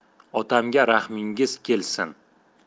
otamga rahmingiz kelsin